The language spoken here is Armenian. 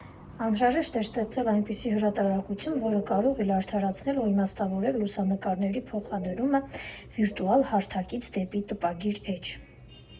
Անհրաժեշտ էր ստեղծել այնպիսի հրատարակություն, որը կարող էր արդարացնել ու իմաստավորել լուսանկարների փոխադրումը վիրտուալ հարթակից դեպի տպագիր էջ։